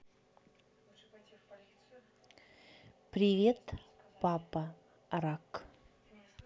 привет папа рак